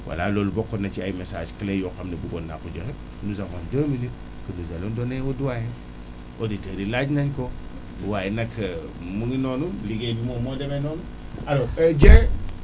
voilà loolu bokkoon na si ay messages clés yoo xam ne bëggoon naa ko joxe nous avons 2 minutes que nous alons donner au doyen auditeurs yi laaj nañu ko waaye nag mu ngi noonu liggéey bi moom moo demee noonu alors Dieng